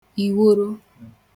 ìworo